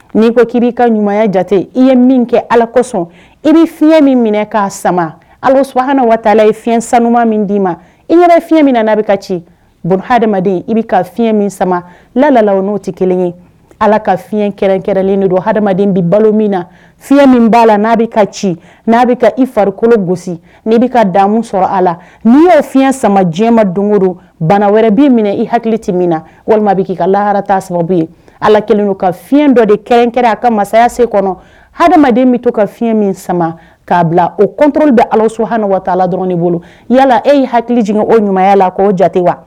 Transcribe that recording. N'i ko k'i b'i ka ɲumanya jate i ye min kɛ ala kosɔn i bɛ fiɲɛyɛn min minɛ k'a sama watala i fiɲɛyɛn san ɲumanuma min d'i ma i yɛrɛ fiɲɛ min na' bɛ ka ci hadamaden i bɛ ka fiɲɛ min sama lalala n'o tɛ kelen ye ala ka fiɲɛ kɛrɛnkɛlen de don hadamaden bɛ balo min na fiɲɛ min b'a la n'a bɛ ka ci n'a bɛ ka i farikolokolo gosi n' bɛ ka damu sɔrɔ a la n'i ye fiɲɛyɛn sama diɲɛ ma don o don bana wɛrɛ bɛ minɛ i hakili tɛ min na walima bɛ k'i ka laharata sababu yen ala keleno ka fiɲɛyɛn dɔ de kɛ kɛrar a ka masaya sen kɔnɔ hadamaden bɛ to ka fiɲɛ min sama k'a bila o kɔnto bɛ ala so ha wataa la dɔrɔn bolo yala e ye hakili jigin o ɲumanya la k'o jate wa